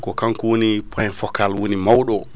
ko kanko woni point focal woni mawɗo o